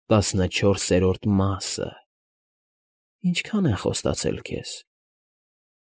Տասնչորսերորդ մասը… ինչքա՞ն են խոստացել քեզ։